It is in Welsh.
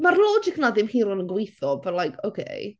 Mae'r logic yna ddim hyd yn oed yn gweithio but like, okay.